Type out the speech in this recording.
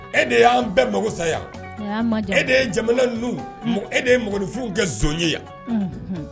E de y'an bɛɛ mako sa yan e de ye jamana e de ye ŋɔgɔnfin kɛ son ye yan